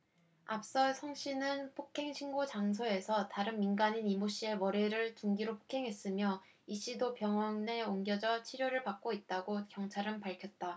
앞서 성씨는 폭행 신고 장소에서 다른 민간인 이모씨의 머리를 둔기로 폭행했으며 이씨도 병원에 옮겨져 치료를 받고 있다고 경찰은 밝혔다